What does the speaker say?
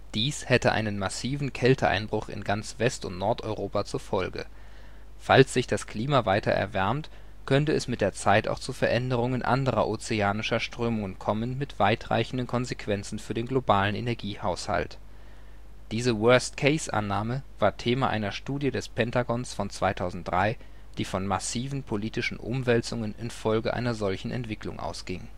Dies hätte einen massiven Kälteeinbruch in ganz Westeuropa und Nordeuropa zur Folge. Falls sich das Klima weiter erwärmt, könnte es mit der Zeit auch zu Veränderungen anderer ozeanischer Strömungen kommen, mit weitreichenden Konsequenzen für den globalen Energiehaushalt. Diese Worst Case-Annahme war Thema einer Studie des Pentagons von 2003, die von massiven politischen Umwälzungen in Folge einer solchen Entwicklung ausging